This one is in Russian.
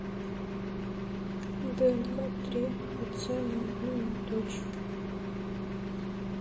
днк три отца на одну дочь